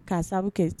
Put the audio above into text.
Ka sabu kɛ